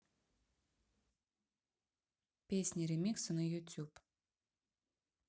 песни ремиксы на youtube